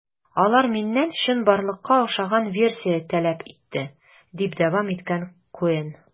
Алар миннән чынбарлыкка охшаган версия таләп итте, - дип дәвам иткән Коэн.